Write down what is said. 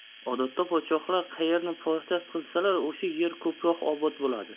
odatda podshohlar qayerni poytaxt qilsalar o'sha yer ko'proq obod bo'ladi